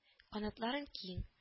Канатларың киң